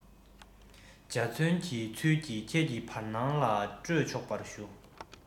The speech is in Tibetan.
འཇའ ཚོན གྱི ཚུལ གྱིས ཁྱེད ཀྱི བར སྣང ལ སྤྲོས ཆོག པར ཞུ